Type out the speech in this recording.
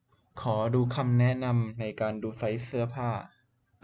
ขอดูคำแนะนำในการดูไซส์เสื้อผ้า